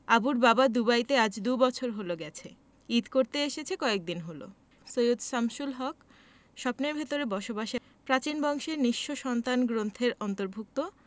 আবুর বাবা দুবাইতে আজ দু’বছর হলো গেছে ঈদ করতে এসেছে কয়েকদিন হলো সৈয়দ শামসুল হক স্বপ্নের ভেতরে বসবাস প্রাচীন বংশের নিঃস্ব সন্তান গ্রন্থের অন্তর্ভুক্ত